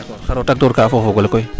d' accord xaro taktoor ka fo o fogole koy